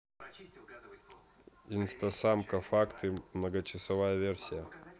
инстасамка факты многочасовая версия